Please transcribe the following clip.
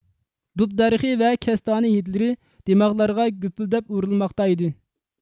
دۇب دەرىخى ۋە كەستانە ھىدلىرى دىماغلارغا گۈپۈلدەپ ئۇرۇلماقتا ئىدى